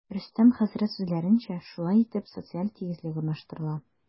Рөстәм хәзрәт сүзләренчә, шулай итеп, социаль тигезлек урнаштырыла.